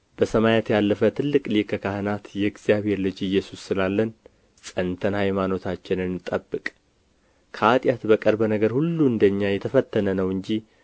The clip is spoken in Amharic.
በሰማያት ያለፈ ትልቅ ሊቀ ካህናት የእግዚአብሔር ልጅ ኢየሱስ ስላለን ጸንተን ሃይማኖታችንን እንጠብቅ ከኃጢአት በቀር በነገር ሁሉ እንደ እኛ የተፈተነ ነው እንጂ